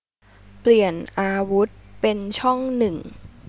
เปลี่ยนอาวุธเป็นช่องหนึ่ง